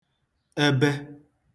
ebe